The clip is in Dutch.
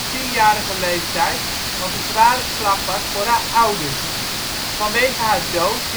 tienjarige leeftijd, wat een zware slag was voor haar ouders. Vanwege haar dood